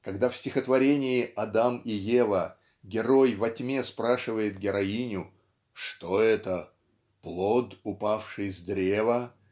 Когда в стихотворении "Адам и Ева" герой во тьме спрашивает героиню "что это плод упавший с древа